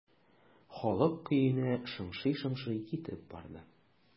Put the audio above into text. Халык көенә шыңшый-шыңшый китеп барды.